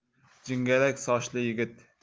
jingalak sochli yigit